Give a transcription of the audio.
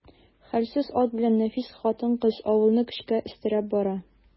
Хәлсез ат белән нәфис хатын-кыз авылны көчкә өстерәп бара.